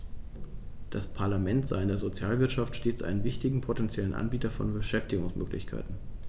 Das Parlament sah in der Sozialwirtschaft stets einen wichtigen potentiellen Anbieter von Beschäftigungsmöglichkeiten.